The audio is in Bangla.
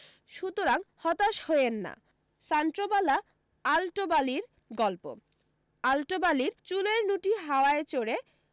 সুতরাং হতাশ হইয়েন না সান্ট্রোবালা আলটোবালির গল্প আলটোবালির চুলের নুটি হাওয়ায় চড়ে